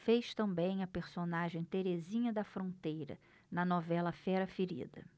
fez também a personagem terezinha da fronteira na novela fera ferida